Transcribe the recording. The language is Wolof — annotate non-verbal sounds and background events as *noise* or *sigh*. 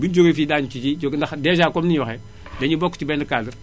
bu ñu jógee fii daañnu ci jóg ndax dèjà comme ni ñu waxee *noise* dañnu bokk ci benn cadre